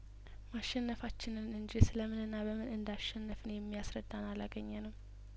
ማሸነፋችንን እንጂ ስለምንና በምን እንዳሸነፍን የሚያስረዳን አላገኘንም